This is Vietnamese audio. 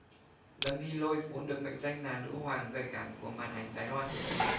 lâm hy lôi vốn được mệnh danh là nữ hoàng gợi cảm của màn ảnh đài loan